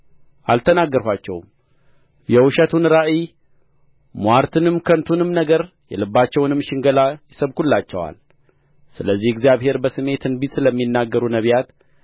አልተናገርኋቸውም የውሸቱን ራእይ ምዋርትንም ከንቱንም ነገር የልባቸውንም ሽንገላ ይሰብኩላችኋል ስለዚህ እግዚአብሔር በስሜ ትንቢት ስለሚናገሩ ነቢያት